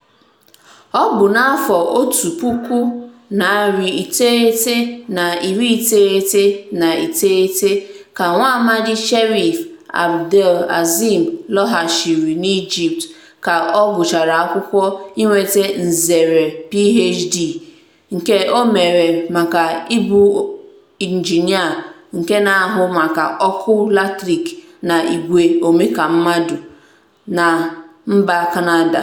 Ọ bụ n'afọ otu puku, narị iteghete na iri iteghete na iteghete (1999) ka nwaamadi Sherif Abdel-Azim lọghachiri n'Ijipt ka ọ gụchara akwụkwọ inweta nzere Ph.D nke o mere maka ị bụ Injinịa nke na-ahụ maka ọkụ latrik na igwe omekammadụ (Electrical and Computer Engineering) na mba Canada.